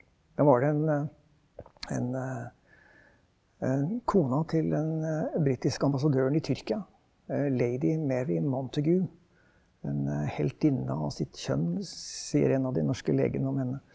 da var det en en en kona til den britiske ambassadøren i Tyrkia, Lady Mary Montagu, en heltinne av sitt kjønn sier en av de norske legene om henne.